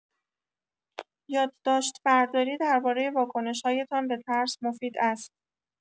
یادداشت‌برداری درباره واکنش‌هایتان به ترس مفید است.